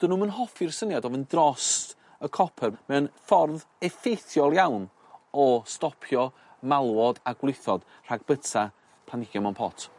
'dyn nw'm yn hoffi'r syniad o mynd drost y copyr mae o'n ffordd effeithiol iawn o stopio malwod a gwlithod rhag byta planhigion mewn pot.